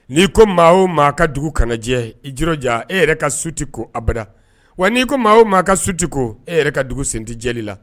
N'i ko maa o maa ka dugu kanajɛ, i jilaja e yɛrɛ ka su tɛ ko abada, wa n'i ko maa o maa ka su tɛ ko, e yɛrɛ ka dugu sen tɛ jɛli la.